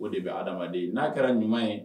O de bɛ hadamaden n'a kɛra ɲuman ye